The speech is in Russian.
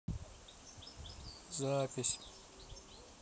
запись